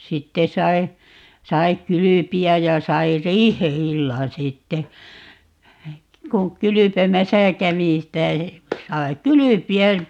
sitten sai sai kylpeä ja sai riihi-illan sitten kun kylpemässä kävi sitä sai kylpeä